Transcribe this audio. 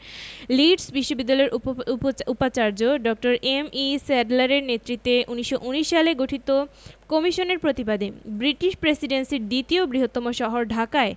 Leeds বিশ্ববিদ্যালয়ের উপাচার্য ড. এম.ই স্যাডলারের নেতৃত্বে ১৯১৯ সালে গঠিত কমিশনের প্রতিবেদনে ব্রিটিশ প্রেসিডেন্সির দ্বিতীয় বৃহত্তম শহর ঢাকায়